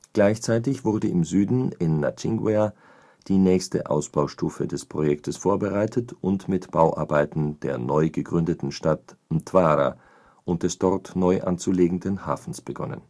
Gleichzeitig wurde im Süden in Nachingwea die nächste Ausbaustufe des Projektes vorbereitet und mit Bauarbeiten der neu gegründeten Stadt Mtwara und des dort neu anzulegenden Hafens begonnen